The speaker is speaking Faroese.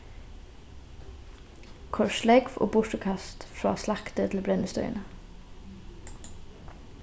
koyr slógv og burturkast frá slakti til brennistøðina